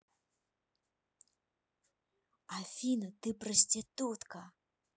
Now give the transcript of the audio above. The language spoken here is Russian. афина ты проститутка